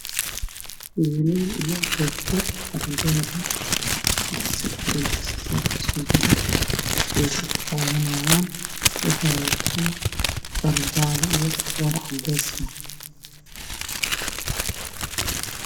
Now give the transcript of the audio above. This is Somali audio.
Waa wiilal iyo gabdho dugsi Dhexe iyo dugsi sare ah